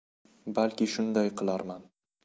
balki shunday qilarman